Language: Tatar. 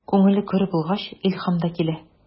Күңел көр булгач, илһам да килә.